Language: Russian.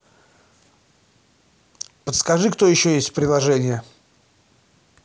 подскажи кто еще есть в приложении